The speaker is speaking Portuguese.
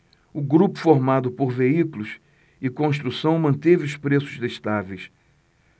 o grupo formado por veículos e construção manteve os preços estáveis